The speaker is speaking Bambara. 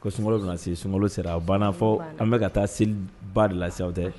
Ko sun ka se sun sera a banna fɔ an bɛ ka taa seli ba de law tɛ